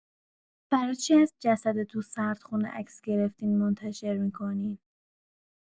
برا چی از جسد تو سردخونه عکس گرفتین منتشر می‌کنین؟